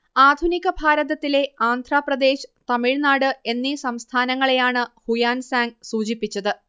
ആധുനിക ഭാരതത്തിലെ ആന്ധ്രാപ്രദേശ്, തമിഴ്നാട് എന്നീ സംസ്ഥാനങ്ങളെയാണ് ഹുയാൻസാങ്ങ് സൂചിപ്പിച്ചത്